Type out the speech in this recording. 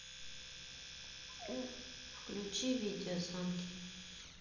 включи видеозвонки